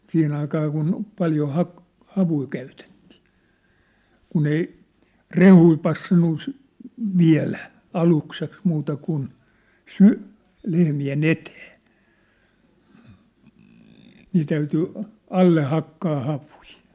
siihen aikaan kun paljon - havuja käytettiin kun ei rehuja passannut - viedä aluksi muuta kuin - lehmien eteen niin täytyi alle hakkaa havuja